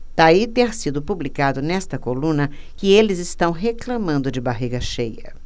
daí ter sido publicado nesta coluna que eles reclamando de barriga cheia